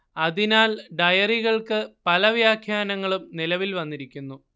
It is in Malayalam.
അതിനാൽ ഡയറികൾക്ക് പല വ്യാഖ്യാനങ്ങളും നിലവിൽ വന്നിരിക്കുന്നു